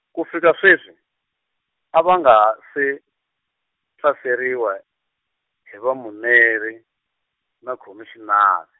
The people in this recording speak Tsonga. ku fika sweswi, a va nga se, hlaseriwa, hi Vamuneri, na Khomixinari.